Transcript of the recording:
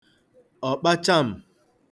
ọ̀kpacham̀